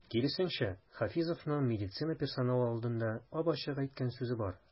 Киресенчә, Хафизовның медицина персоналы алдында ап-ачык әйткән сүзе бар.